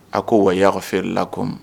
A ko